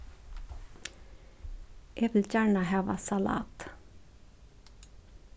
eg vil gjarna hava salat